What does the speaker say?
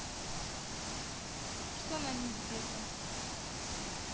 что на них где то